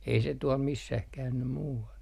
ei se tuolla missään käynyt muualla